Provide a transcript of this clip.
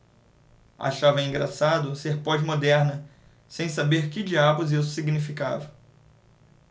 achava engraçado ser pós-moderna sem saber que diabos isso significava